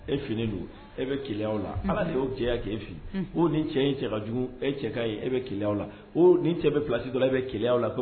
E fini don e bɛ ke la ala y'o jɛya kɛ e fili o ni cɛ in cɛ ka jugu e cɛ ka e bɛ ke la ni cɛ bɛ filalasida e bɛ kɛlɛ la